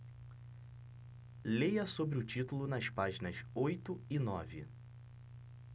leia sobre o título nas páginas oito e nove